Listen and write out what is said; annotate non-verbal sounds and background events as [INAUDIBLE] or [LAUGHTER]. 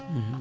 [HESITATION] [HESITATION]